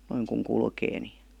noin kun kulkee niin